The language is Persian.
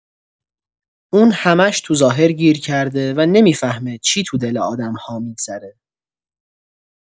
اون همش تو ظاهر گیر کرده و نمی‌فهمه چی تو دل آدم‌ها می‌گذره.